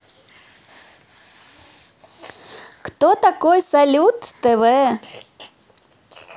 кто такой салют тв